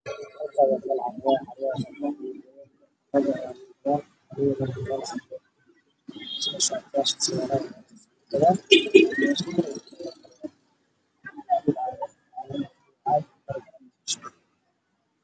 Beeshan waa meel dukaan ah waxaa lagu gadaa shatiyaal cunaan diyaar waxay yaalla shaati cagaa qabo